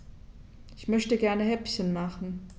Ich möchte gerne Häppchen machen.